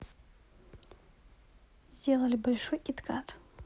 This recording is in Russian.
сделали большой кит кат